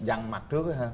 dằn mặt trước á hả